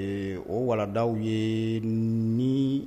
Ee o walandaw ye ni